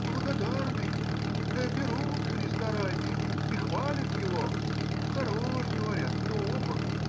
— Благодарны, берут Христа ради и хвалят его: хорош, говорят,— добр.